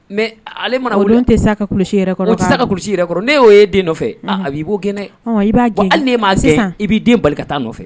Mɛ ale ma tɛ sa ka kulu yɛrɛ o tɛ se ka kulu yɛrɛ kɔrɔ ne y'o ye den nɔfɛ a b'i b'o kɛnɛ b'a ma i b'i den bali ka taa nɔfɛ